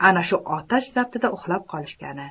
ana shu otash zabtida uxlab qolishgani